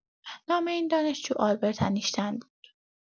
نام این دانشجو آلبرت انیشتین بود.